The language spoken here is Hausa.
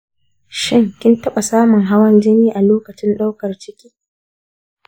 shin, kin taɓa samun hawan jini a lokacin ɗaukar ciki?